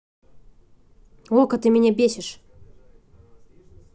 okko ты меня бесишь